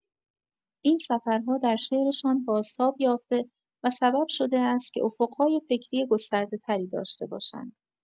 این سفرها در شعرشان بازتاب یافته و سبب شده است که افق‌های فکری گسترده‌‌تری داشته باشند.